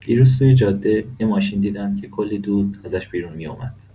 دیروز توی جاده، یه ماشین دیدم که کلی دود ازش بیرون می‌اومد.